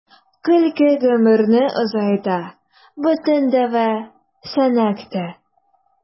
Көлке гомерне озайта — бөтен дәва “Сәнәк”тә.